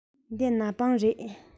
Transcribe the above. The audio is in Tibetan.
འདི ནག པང རེད